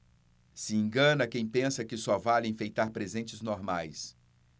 se engana quem pensa que só vale enfeitar presentes normais